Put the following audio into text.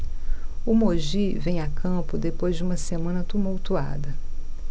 o mogi vem a campo depois de uma semana tumultuada